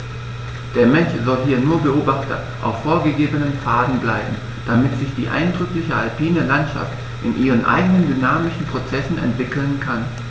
Der Mensch soll hier nur Beobachter auf vorgegebenen Pfaden bleiben, damit sich die eindrückliche alpine Landschaft in ihren eigenen dynamischen Prozessen entwickeln kann.